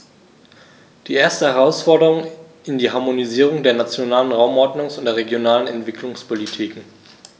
Die erste Herausforderung ist die Harmonisierung der nationalen Raumordnungs- und der regionalen Entwicklungspolitiken.